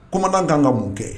commandant ka kan ka mun kɛ?